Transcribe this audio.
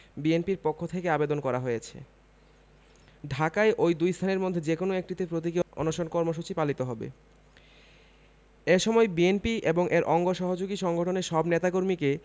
বিএনপির পক্ষ থেকে আবেদন করা হয়েছে ঢাকায় ওই দুই স্থানের মধ্যে যেকোনো একটিতে প্রতীকী অনশন কর্মসূচি পালিত হবে এ সময় বিএনপি এবং এর অঙ্গ সহযোগী সংগঠনের সব নেতাকর্মীকে